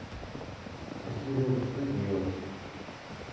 а серега что делать